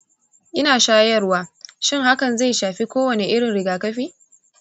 ina shayarwa; shin hakan zai shafi kowane irin rigakafi?